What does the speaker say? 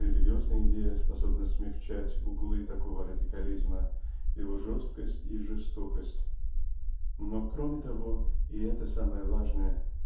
религиозная идея способна смягчить углы такого радикализма его жесткость' и жестокость. Но кроме того и это самое важное